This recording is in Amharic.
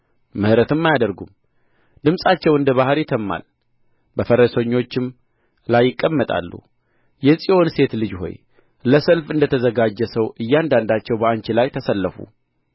ምሕረትንም አያደርጉም ድምፃቸው እንደ ባሕር ይተምማል በፈረሶችም ላይ ይቀመጣሉ የጽዮን ሴት ልጅ ሆይ ለሰልፍ እንደ ተዘጋጀ ሰው እያንዳንዳቸው በአንቺ ላይ ተሰለፉ